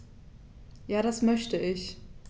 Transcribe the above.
Ja, das möchte ich.